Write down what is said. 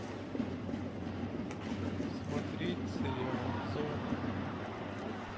смотреть сериал зона